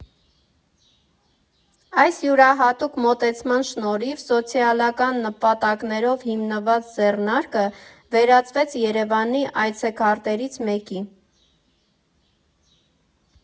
Այս յուրահատուկ մոտեցման շնորհիվ սոցիալական նպատակներով հիմնված ձեռնարկը վերածվեց Երևանի այցեքարտերից մեկի։